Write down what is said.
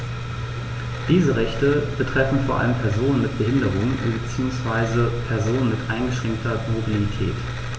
Diese Rechte betreffen vor allem Personen mit Behinderung beziehungsweise Personen mit eingeschränkter Mobilität.